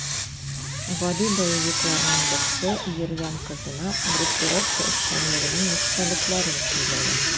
Гади боевикларның берсе йөргән кызына группировка эшчәнлегенең нечкәлекләрен сөйләгән.